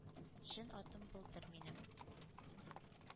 Чын атым «былтыр» минем.